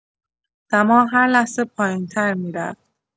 دما هر لحظه پایین‌تر می‌رفت.